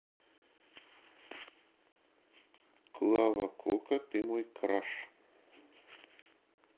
клава кока ты мой краш